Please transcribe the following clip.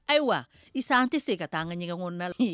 Ayiwa i san tɛ se ka taa an ka ɲɛmɔgɔda